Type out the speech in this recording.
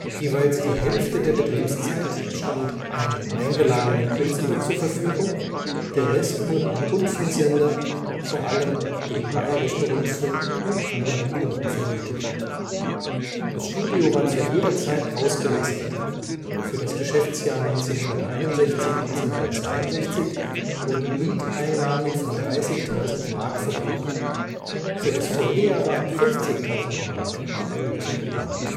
Jeweils die Hälfte der Betriebszeit stand einem eingeladenen Künstler zur Verfügung, der Rest wurde an Rundfunksender, vor allem den Bayerischen Rundfunk, und andere Kunden vermietet. Das Studio war zu jeder Zeit ausgelastet, für das Geschäftsjahr 1961 / 62 wurden Mieteinnahmen von 30.000 Mark verbucht, für das Folgejahr waren 50.000 Mark an Erlösen geplant